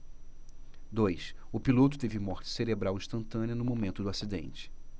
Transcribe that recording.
dois o piloto teve morte cerebral instantânea no momento do acidente